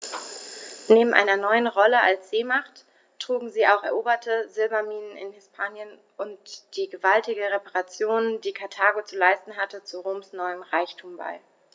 Neben seiner neuen Rolle als Seemacht trugen auch die eroberten Silberminen in Hispanien und die gewaltigen Reparationen, die Karthago zu leisten hatte, zu Roms neuem Reichtum bei.